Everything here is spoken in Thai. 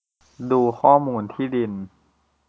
ดูข้อมูลที่ดิน